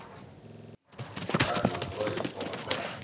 как настроить окко